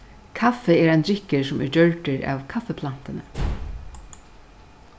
kaffi er ein drykkur sum er gjørdur av kaffiplantuni